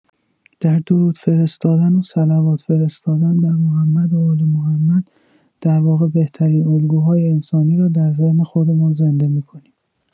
در درود فرستادن و صلوات فرستادن بر محمد و آل‌محمد در واقع بهترین الگوهای انسانی را در ذهن خودمان زنده می‌کنیم